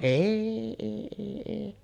ei ei ei ei